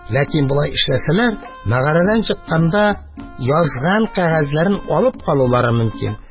Ләкин болай эшләсәләр, мәгарәдән чыкканда, язган кәгазьләрен алып калулары мөмкин.